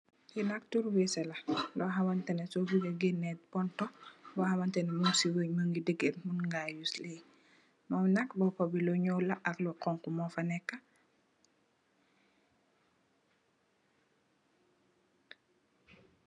Kii nak turwise le, lo xamantene so buga gene ponto, bo xamantetne mung si wenj mungi deger, mun nge uss lii, mum nak boppu bi lo nyuul ak lo xonxa mufa nekk.